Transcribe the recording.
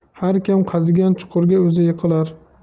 har kim qazigan chuqurga o'zi yiqilar